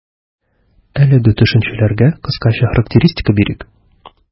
Әлеге төшенчәләргә кыскача характеристика бирик.